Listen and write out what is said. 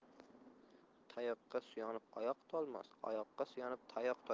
tayoqqa suyanib oyoq tolmas oyoqqa suyanib tayoq toymas